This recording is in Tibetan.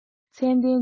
ཚད ལྡན ཅན